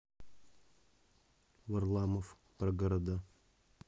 варламов про города